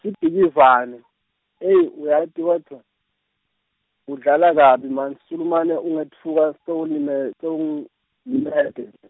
Sibhikivane, eyi uyati kodvwa, udlala kabi mani sulumane ungetfuka sowulile- sowulimete nje.